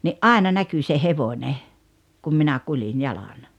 niin aina näkyi se hevonen kun minä kuljin jalan